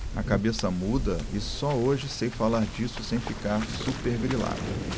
a cabeça muda e só hoje sei falar disso sem ficar supergrilada